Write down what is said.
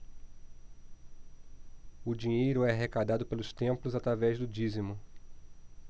o dinheiro é arrecadado pelos templos através do dízimo